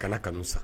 Kala kanuu san